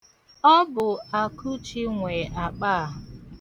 Ọ bụ Akụchi nwe akpa a.